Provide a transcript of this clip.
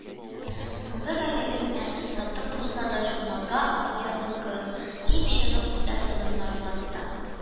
Соңгы кәҗәгезне сатып булса да, журналга язылыгыз, дип чыгыш ясадым Норлатта